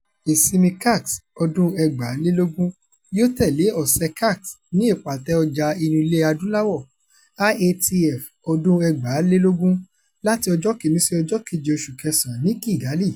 Ìsinmi CAX 2020 yóò tẹ̀lé ọ̀sẹ̀-ẹ CAX ní Ìpàtẹ Ọjà Inú Ilẹ̀-Adúláwọ̀ (IATF2020) láti Ọjọ́ 1 sí ọjọ́ 7 oṣù kẹsàn-án ní Kigali.